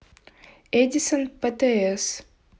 эдисон птс